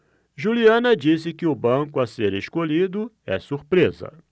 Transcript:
juliana disse que o banco a ser escolhido é surpresa